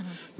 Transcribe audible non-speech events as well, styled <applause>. <hesitation> <hesitation>